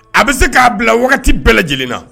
A bɛ se k'a bila wagati bɛɛ lajɛlen na